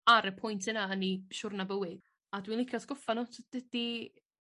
ar y pwynt yna yn 'u siwrna bywyd a dwi'n licio atgoffa nw t- dydi